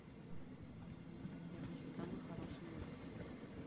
я хочу самый хороший мультики